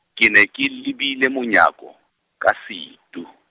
ke ne ke lebile monyako, ka setu.